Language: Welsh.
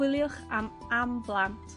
Chwyliwch am am blant.